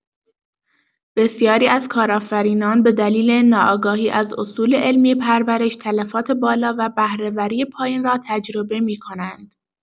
بسیاری از کارآفرینان به دلیل ناآگاهی از اصول علمی پرورش، تلفات بالا و بهره‌وری پایین را تجربه می‌کنند.